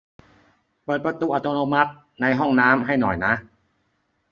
เปิดประตูอัตโนมัติในห้องน้ำให้หน่อยนะ